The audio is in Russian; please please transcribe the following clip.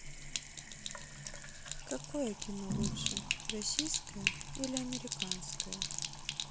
какое кино лучше российское или американское